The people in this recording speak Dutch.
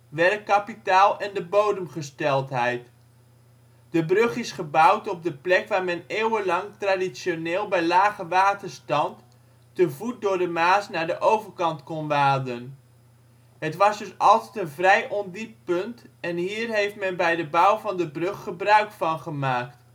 werkkapitaal en de bodemgesteldheid. De brug is gebouwd op de plek waar men eeuwenlang traditioneel bij lage waterstand te voet door de Maas naar de overkant kon waden. Het was dus altijd een vrij ondiep punt en hier heeft men bij de bouw van de brug gebruik van gemaakt